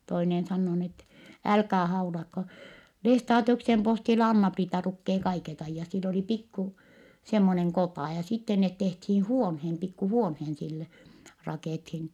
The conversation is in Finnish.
toinen sanoo niin että älkää haulatko Lestadiuksen postilla Anna-Priita lukee kaiket ajat sillä oli pikku semmoinen kota ja sitten ne tehtiin huoneen pikku huoneen sille rakennettiin